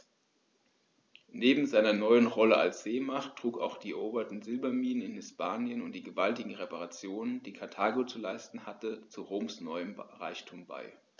Neben seiner neuen Rolle als Seemacht trugen auch die eroberten Silberminen in Hispanien und die gewaltigen Reparationen, die Karthago zu leisten hatte, zu Roms neuem Reichtum bei.